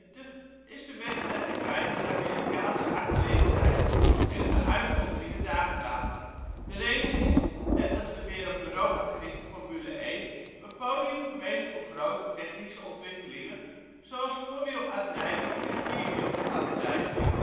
de wedstrijd in feite een Amerikaanse aangelegenheid, enkele uitzonderingen daargelaten. De race is, net als de meer op Europa gerichte Formule 1, een podium geweest voor grote technische ontwikkelingen, zoals voorwielaandrijving en vierwielaandrijving